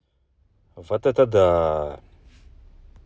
вот это да